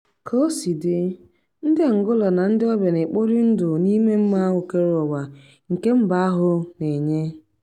Ka o si di, ndị Angola na ndị ọbịa n'ekpori ndị n'ime mma okereụwa nke mba ahụ na-enye.